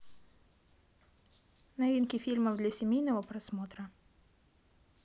новинки фильмов для семейного просмотра